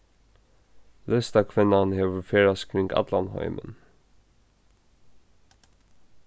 listakvinnan hevur ferðast kring allan heimin